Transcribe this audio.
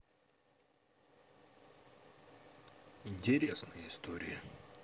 интересные истории